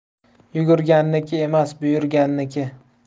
yugurganniki emas buyurganniki